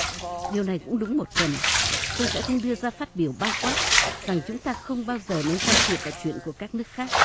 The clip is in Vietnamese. điều này cũng đúng một phần tôi sẽ không đưa ra phát biểu bao quát rằng chúng ta không bao giờ nên can thiệp vào chuyện của các nước khác